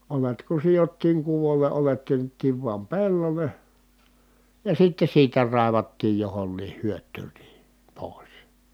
oljet kun sidottiin kuvolle oljet työnnettiin vain pellolle ja sitten siitä raivattiin johonkin hyötyyn niin pois